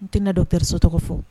N tɛna dɔɛreso tɔgɔ fɔ